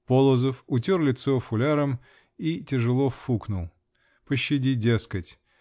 Полозов утер лицо фуляром и тяжело фукнул: "Пощади, дескать